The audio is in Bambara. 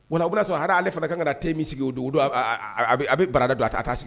Wa a bɔra sɔrɔ hali ale fana ka kan ka na taa min sigi o dugu don a bɛ barada don a ta a' sigi